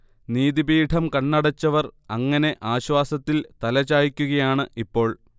നീതി പീഠം കണ്ണടച്ചവർ അങ്ങനെ ആശ്വാസത്തിൽ തലചായ്ക്കുകയാണ് ഇപ്പോൾ